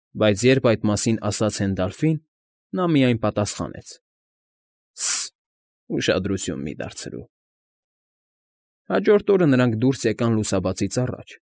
Բայց երբ այդ մասին ասաց Հենդալֆին, նա միայն պատասխանեց. ֊ Սը՜ս֊ս… Ուշադրություն մի՛ դարձրու… Հաջորդ օրը նրանք դուրս եկան լուսաբացից առաջ։